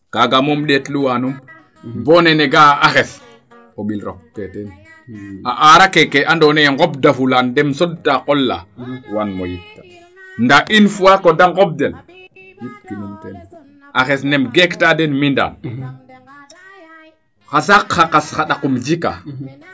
kaage moom ndeetlu waanum bo nene o ga'a axes o mbil rok kee teen a arakeeke ando naye ŋomb da fulaan ten soɗ ka qol laa waan mo yip ta ndaa une fois que de ŋomb del yip kinum teen axes nem geek taden mi Ndane xa saaq xa ɗaq xa kas im jikaa